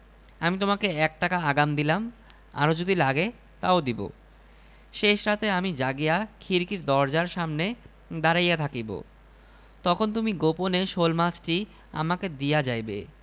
দেখাই তোর মজাটা এই বলিয়া রহিম বউকে বেদম প্রহার করিতে লাগিল বউ চিৎকার করিয়া সমস্ত পাড়ার লােক জড় করিয়া ফেলিল